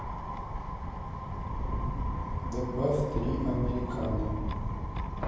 добавь три американо